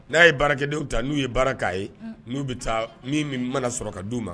N'a ye baarakɛ denw ta n'u ye baara' ye n'u bɛ taa min min mana sɔrɔ ka d di u ma